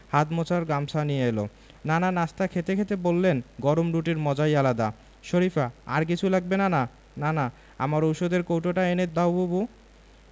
হাত মোছার গামছা নিয়ে এলো নানা নাশতা খেতে খেতে বললেন গরম রুটির মজাই আলাদা শরিফা আর কিছু লাগবে নানা নানা আমার ঔষধের কৌটোটা এনে দাও বুবু